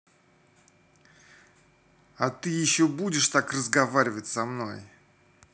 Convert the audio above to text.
а ты еще будешь так разговаривать со мной